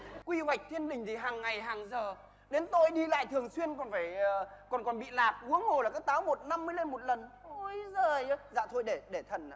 quy hoạch thiên đình thì hàng ngày hàng giờ đến tôi đi lại thường xuyên còn phải còn còn bị lạc huống hồ là các táo một năm mới lên một lần ui giời ơi dạ thôi để để thần ạ